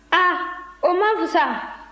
a o man fisa